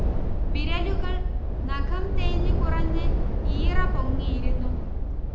വിരലുകൾ നഖം തേഞ്ഞ് കുറഞ്ഞ് ഈറ പൊങ്ങിയിരുന്നു